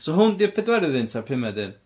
So hwn 'di'r pedwerydd un ta'r pumed un?